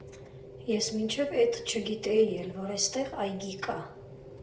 Ես մինչև էդ չգիտեի էլ, որ էստեղ այգի կա։